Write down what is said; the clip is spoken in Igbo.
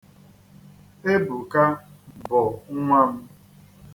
Ebuka bụ nnwa m.